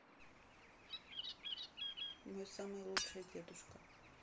мой самый лучший дедушка